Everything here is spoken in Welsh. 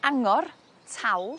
angor tal